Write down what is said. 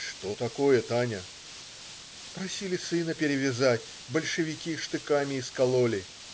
"Что такое, Таня?" - "Просит сына перевязать, большевики штыками искололи".